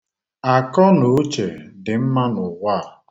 Akọ na uche dị mma n'ụwa a.